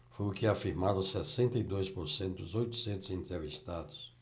foi o que afirmaram sessenta e dois por cento dos oitocentos entrevistados